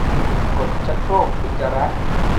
กดชักโครกอุจจาระ